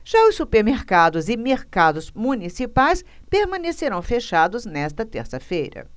já os supermercados e mercados municipais permanecerão fechados nesta terça-feira